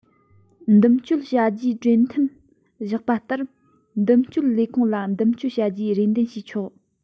འདུམ གཅོད བྱ རྒྱུའི གྲོས མཐུན བཞག པ ལྟར འདུམ གཅོད ལས ཁུངས ལ འདུམ གཅོད བྱ རྒྱུའི རེ འདུན ཞུས ཆོག